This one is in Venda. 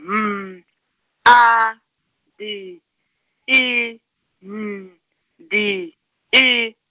M, A, D, I, N, D, I.